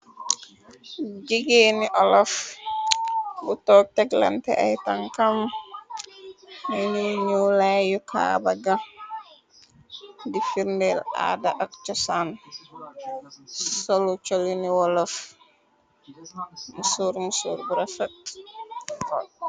Jigeen ni olaf bu toog teglante ay tankam enu ñu lay yu kaabaga di firndeel aada ak cosaan solu colini olaf musor bu rafet.